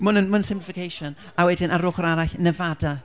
Ma' hwn yn, ma' hwn yn simplification a wedyn ar yr ochr arall Nevada.